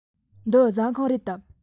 འདི ཟ ཁང རེད དམ